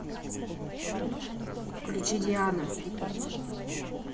включи диана